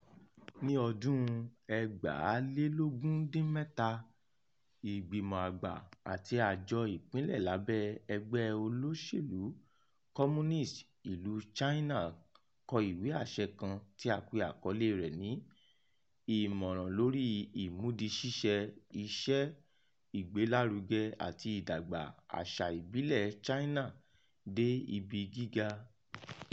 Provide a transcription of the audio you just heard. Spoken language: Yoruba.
Ní ọdún 2017, ìgbìmọ̀ àgbà àti àjọ ìpínlẹ̀ lábẹ́ ẹgbẹ́ olóṣèlú Communist ìlú China kọ ìwé àṣẹ kan tí a pe àkọlée rẹ̀ ní "Ìmọ̀ràn lórí imúdiṣíṣẹ iṣẹ́ ìgbélárugẹ àti ìdàgbà àṣà ìbílẹ̀ China dé ibi gíga".